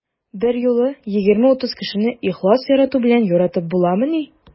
Берьюлы 20-30 кешене ихлас ярату белән яратып буламыни?